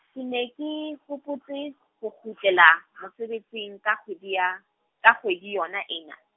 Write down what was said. ke ne ke hopotse, ho kgutlela mosebetsing ka kgwedi ya, ka kgwedi yona ena.